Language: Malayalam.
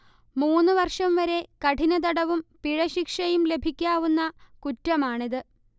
മൂന്നുവർഷം വരെ കഠിനതടവും പിഴശിക്ഷയും ലഭിക്കാവുന്ന കുറ്റമാണിത്